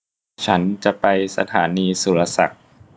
ฉันจะไปสถานีสุรศักดิ์